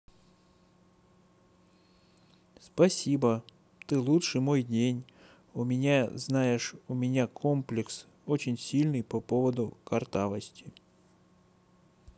спасибо ты лучший мой день у меня знаешь у меня комплекс очень сильный по поводу картавости